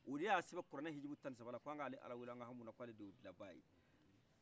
o de ya sɛbɛn kuranɛ hijibu tanisabanna k'an k'ale ala wele an ka ham'ula k'ale de y'u dilan bakaye